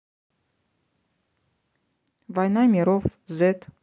война миров зет